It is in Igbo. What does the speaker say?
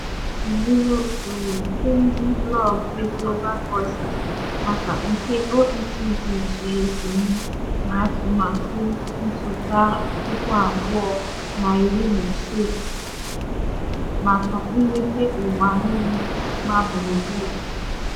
Ọkwa a so n'otu n'ime usoro nke ndị blọọgụ Global Voices maka nke OECD ji esonye n'atụmatụ nsota-2015 maka mmepe ụwa niile gbaa gburugburu.